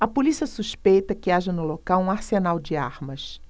a polícia suspeita que haja no local um arsenal de armas